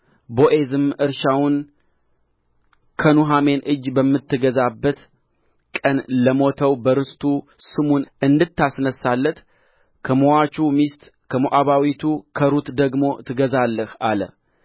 ቦዔዝም እርሻውን ከኑኃሚን እጅ በምትገዛበት ቀን ለሞተው በርስቱ ስሙን እንድታስነሣለት ከምዋቹ ሚስት ከሞዓባዊቱ ከሩት ደግሞ ትገዛለህ አለ